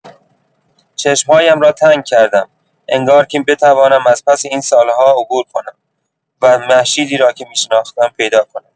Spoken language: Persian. چشم‌هایم را تنگ کردم، انگار که بتوانم از پس این سال‌ها عبور کنم و مهشیدی را که می‌شناختم پیدا کنم.